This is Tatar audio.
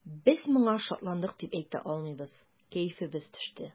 Без моңа шатландык дип әйтә алмыйбыз, кәефебез төште.